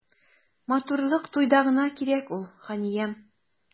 Матурлык туйда гына кирәк ул, ханиям.